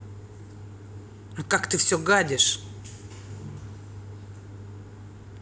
а как ты все гадишь